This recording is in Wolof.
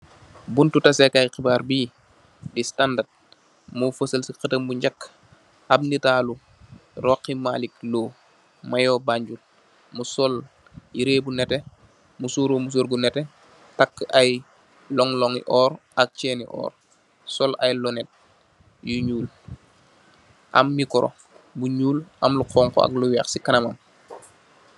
Buntu tasèkai xibar bi di Standard mo fasal ci xatam bu njak am nitalu Roxi Malick Lowe mayor Banjul mu sol yirèh bu netteh mesor ru mesor bu netteh takka ay lonlon ngi órr ak cèèn ni oór. Sol ay lonet yu ñuul am mikro bu ñuul am lu xonxu ak lu wèèx ci kanamam.